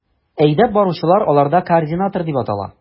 Әйдәп баручылар аларда координатор дип атала.